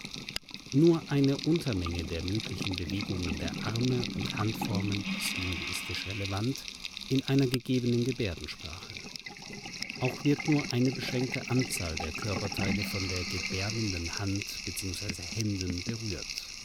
Nur eine Untermenge der möglichen Bewegungen der Arme und Handformen ist linguistisch relevant in einer gegebenen Gebärdensprache. Auch wird nur eine beschränkte Anzahl der Körperteile von der gebärdenden Hand bzw. Händen berührt